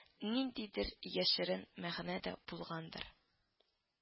Ниндидер яшерен мәгънә дә булгандыр